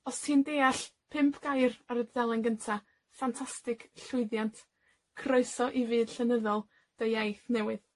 Os ti'n deall pump gair ar y dudalen gynta, ffantastig. Llwyddiant. Croeso i fyd llenyddol dy iaith newydd.